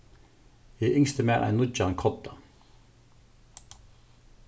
eg ynskti mær ein nýggjan kodda